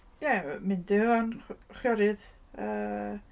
Ie, mynd efo'n chw- chwiorydd, a...